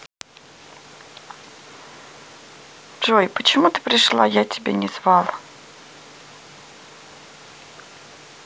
джой почему ты пришла я тебя не звал